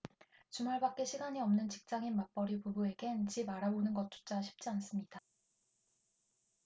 주말밖에 시간이 없는 직장인 맞벌이 부부에겐 집 알아보는 것조차 쉽지 않습니다